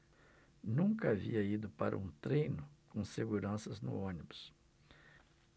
nunca havia ido para um treino com seguranças no ônibus